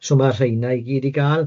So ma rheina i gyd i gal